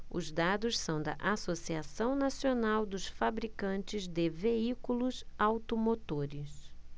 os dados são da anfavea associação nacional dos fabricantes de veículos automotores